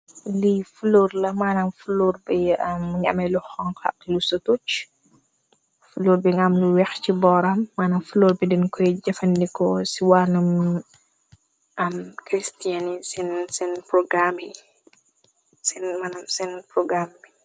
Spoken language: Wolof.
Li flor la mënam floor bi am mungi ameh lu honkhs ak lu satucc flor bi mungi am lu weeh ci booram, mënam flor bi din koy jëfandikoo ci wannam am christiani seen mënam seen program bi.